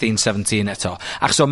seventeen* eto, achos o'...